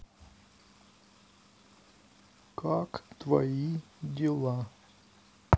как твои дела